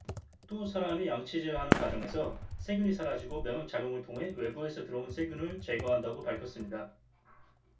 또 사람이 양치질하는 과정에서 세균이 사라지고 면역작용을 통해 외부에서 들어온 세균을 제거한다고 밝혔습니다